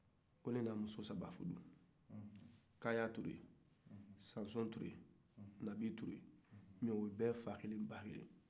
ale de ye muso saba furu kaya ture sansɔn ture nabi ture wa u bɛɛ ye fa kelen ba kelen